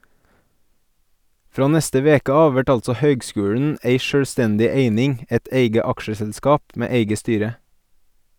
Frå neste veke av vert altså høgskulen ei sjølvstendig eining , eit eige aksjeselskap med eige styre.